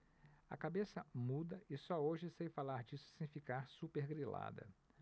a cabeça muda e só hoje sei falar disso sem ficar supergrilada